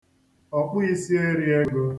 ọ̀kpụīsīerīēgō